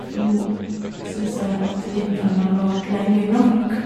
For nå syns jeg at vinteren har vart lenge nok.